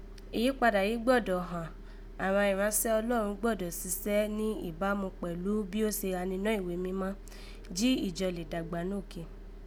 Ìyíkpadà yìí gbọ́dọ̀ han, àghan ìránṣẹ́ Ọlọ́run gbọ́dọ̀ sisẹ́ ní ìbámu kpẹ̀lú bí ó se gha ninọ́ ìwé mímá, jí ìjọ lè dàgbà nókè